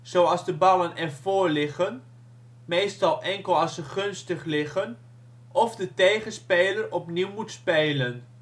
zoals de ballen ervoor liggen (meestal enkel als ze gunstig liggen) of de tegenspeler opnieuw moet spelen